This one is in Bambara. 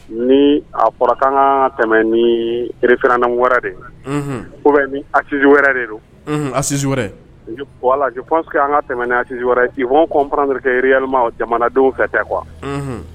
Ni a fɔra k'an ka kan tɛmɛ ni référendum wɛrɛ de ye ou bien ni assise wɛrɛ de do assise wɛrɛ je pense que an ka tɛmɛ niassise wɛrɛ ils vont comprendre que réellement jamanadenw fɛ tɛ quoi